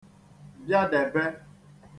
bịadèbe